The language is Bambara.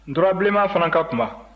nturabilenman fana ka kunba